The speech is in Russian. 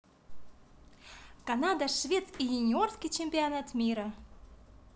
канада швец и юниорский чемпионат мира